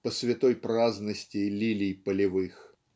по святой праздности лилий полевых.